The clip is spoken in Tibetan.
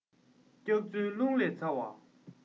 སྐྱག རྫུན རླུང ལས ཚ བ